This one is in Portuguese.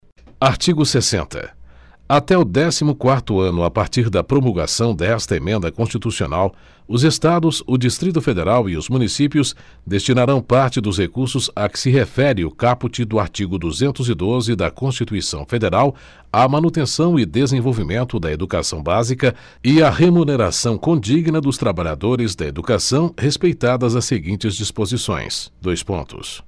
artigo sessenta até o décimo quarto ano a partir da promulgação desta emenda constitucional os estados o distrito federal e os municípios destinarão parte dos recursos a que se refere o caput do artigo duzentos e doze da constituição federal à manutenção e desenvolvimento da educação básica e à remuneração condigna dos trabalhadores da educação respeitadas as seguintes disposições dois pontos